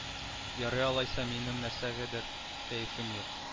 Ярый алайса минем нәрсәгәдер кәефем юк